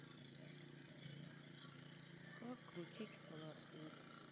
как крутить хулахуп